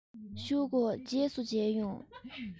བཞུགས དགོས རྗེས སུ མཇལ ཡོང